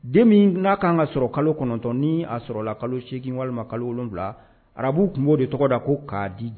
Den n'a kan ka sɔrɔ kalo kɔnɔn9ɔnin a sɔrɔ la kalo seegin walima kalo wolonwulawula arabuw tun b'o de tɔgɔ da ko k'a di